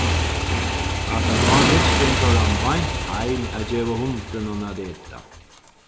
aftan á dystin fór hann beint heim at geva hundinum at eta